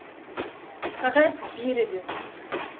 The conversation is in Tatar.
Кәгазь бирегез!